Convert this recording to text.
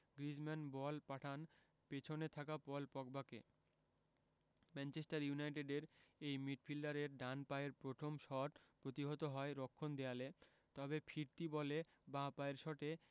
Griezmann ball পাঠান পেছনে থাকা পল পগবাকে ম্যানচেস্টার ইউনাইটেডের এই মিডফিল্ডারের ডান পায়ের প্রথম শট প্রতিহত হয় রক্ষণ দেয়ালে তবে ফিরতি বলে বাঁ পায়ের শটে